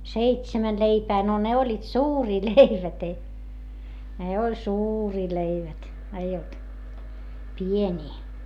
seitsemän leipää no ne olivat suuria leivät ei ne oli suuria leivät ei ollut pieniä